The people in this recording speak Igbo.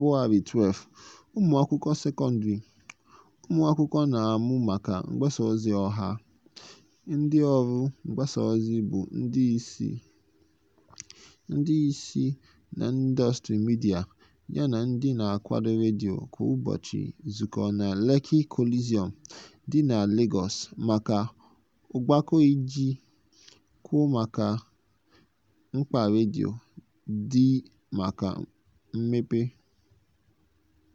Na Febụwarị 12, ụmụ akwụkwọ sekọndrị, ụmụakwụkwọ na-amụ maka mgbasa ozi ọha, ndị ọrụ mgbasa ozi bụ ndị isi na ndọstrị midịa yana ndị na-akwado redio kwa ụbọchị zukọrọ na Lekki Coliseum dị na Lagos maka ogbako iji kwuo maka mkpa redio dị maka mmepe.